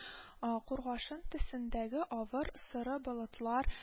А кургашын төсендәге авыр, соры болытлар